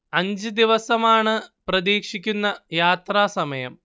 അഞ്ച് ദിവസമാണ് പ്രതീക്ഷിക്കുന്ന യാത്രാസമയം